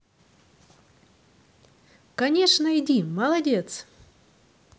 конечно иди молодец